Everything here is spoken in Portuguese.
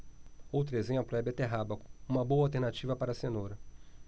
outro exemplo é a beterraba uma boa alternativa para a cenoura